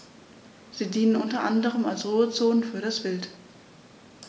Sie dienen unter anderem als Ruhezonen für das Wild.